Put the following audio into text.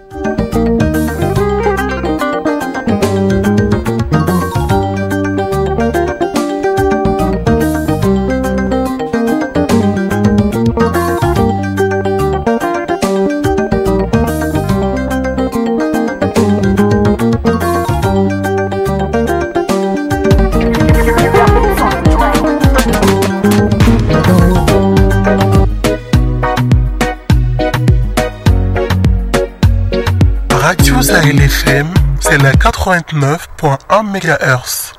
A jusɛ fɛn sɛnɛ ka tun tun bɛ fɔ an mi